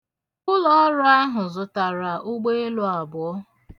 Ụlọọrụ ahụ zụtara ụgbeelu abụọ.